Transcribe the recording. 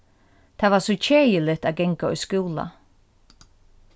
tað var so keðiligt at ganga í skúla